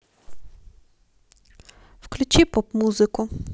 включить поп музыку